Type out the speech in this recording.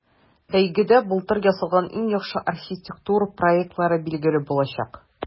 Бәйгедә былтыр ясалган иң яхшы архитектура проектлары билгеле булачак.